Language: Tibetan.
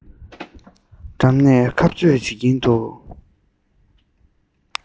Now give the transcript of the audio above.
འགྲམ ནས ཁ རྩོད བྱེད ཀྱིན འདུག